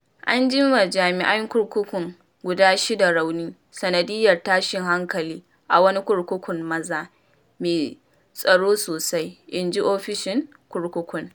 An ji ma jami'an kurkuku guda shida rauni sanadiyyar tashin hankali a wani kurkukun maza mai tsaro sosai, inji Ofishin Kurkukun.